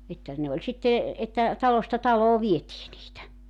että ne oli sitten että talosta taloon vietiin niitä